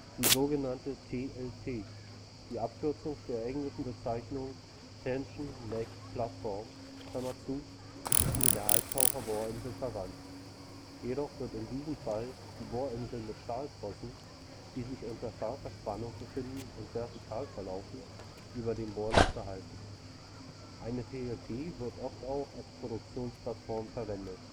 Die sog. TLP (die Abkürzung der englischen Bezeichnung Tension leg platform) ist mit der Halbtaucherinsel verwandt. Jedoch wird in diesem Fall die Bohrinsel mit Stahltrossen, die sich unter starker Spannung befinden und vertikal verlaufen, über dem Bohrloch gehalten. Eine TLP wird oft auch als Produktionsplattform verwendet